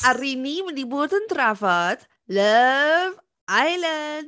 A r'yn ni'n mynd i fod yn drafod Love Island!